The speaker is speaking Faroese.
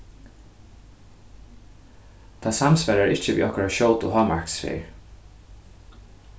tað samsvarar ikki við okkara skjótu hámarksferð